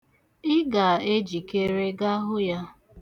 Ị ga-ejikere ga hụ ya.